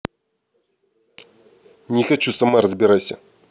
не хочу сама разбирайся